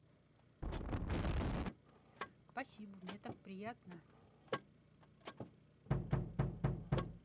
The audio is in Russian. спасибо мне так приятно